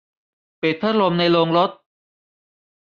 ปิดพัดลมในโรงรถ